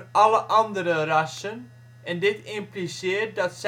alle andere rassen en dit impliceert dat